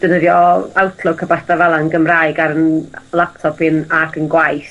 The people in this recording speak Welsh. defnyddio Outlook a batha fela yn Gymraeg ar 'yn laptop hun ac yn gwaith